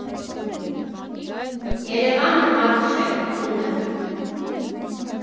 Երևանը մարդ չէ՝ տուն է։